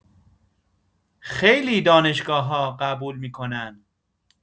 خیلی دانشگاه‌‌ها قبول می‌کنن